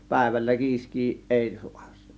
päivällä kiiskeä ei saa se